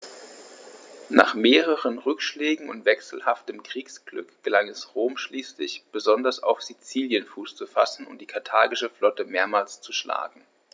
Nach mehreren Rückschlägen und wechselhaftem Kriegsglück gelang es Rom schließlich, besonders auf Sizilien Fuß zu fassen und die karthagische Flotte mehrmals zu schlagen.